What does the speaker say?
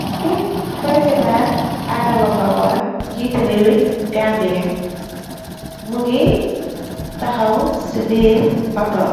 Ki preseda Adama Barrow la njiiti réwi gambiya mu ngi taxaw ci biir auto